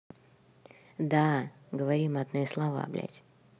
да говори матные слова блядь